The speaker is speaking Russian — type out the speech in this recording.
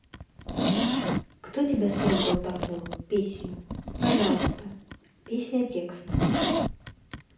кто тебя создал такую песню пожалуйста песня текст